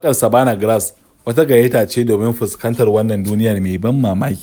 Waƙar "Saɓannah Grass" wata gayyata ce domin fuskantar wannan duniyar mai ban mamaki.